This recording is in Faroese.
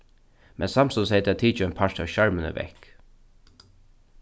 men samstundis hevði tað tikið ein part av sjarmuni vekk